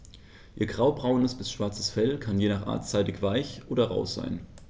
Ihr graubraunes bis schwarzes Fell kann je nach Art seidig-weich oder rau sein.